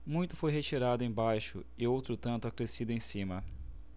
muito foi retirado embaixo e outro tanto acrescido em cima